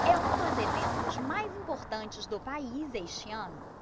é um dos eventos mais importantes do país este ano